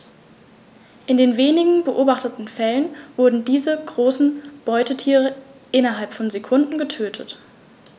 In den wenigen beobachteten Fällen wurden diese großen Beutetiere innerhalb von Sekunden getötet.